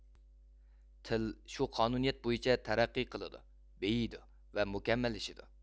تىل شۇ قانۇنىيەت بويىچە تەرەققىي قىلىدۇ بېيىيدۇ ۋە مۇكەممەللىشىدۇ